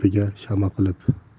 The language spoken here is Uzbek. gapiga shama qilib